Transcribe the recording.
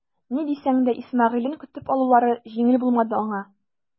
Ни дисәң дә Исмәгыйлен көтеп алулары җиңел булмады аңа.